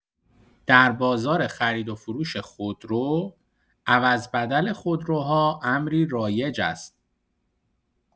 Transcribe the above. در بازار خرید و فروش خودرو، عوض‌بدل خودروها امری رایج است.